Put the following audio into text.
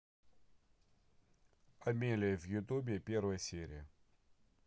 амелия в ютубе первая серия